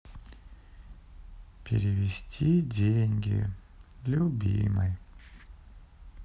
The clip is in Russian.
перевести деньги любимой